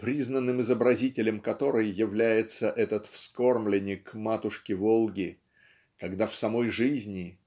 признанным изобразителем которой является этот вскормленник матушки-Волги когда в самой жизни